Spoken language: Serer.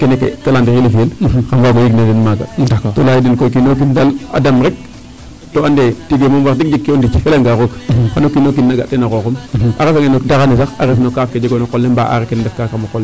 Kene ke clandrier :far le fi'el xam waag o maaga laya dene koy o kiin o kiin a dam rek to ande tige moom wax deg jegkee o puc a felangaa roog xan o kiin o kiin a ga' teen a xooxum a refangee no ndaxar ne sax a ref no kaaf ke jegoona no qol le mbaa aaraa ke na ndefkaa kam o qol le.